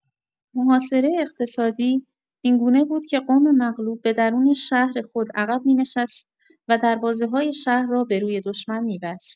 محاصره اقتصادی اینگونه بود که قوم مغلوب به درون شهر خود عقب می‌نشست و دروازه‌های شهر را به روی دشمن می‌بست.